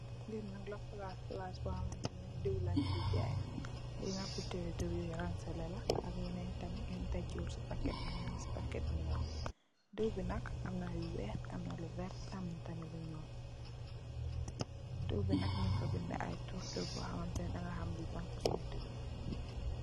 Lii nak palaas la, palaas boo xam ne, diw lañ giy jaay. Lii nak butel li diw yuñ rang selle. Yenen tam yuñ daajiwut, si pakket bu ñuul. Diw bi nak, am yu weex, am na lu werta, am tamit lu ñuul. Diw bi nak ñuñ fa bindë ay tur tur boo xamante da ngaa xam ne ban fasoñ diw la.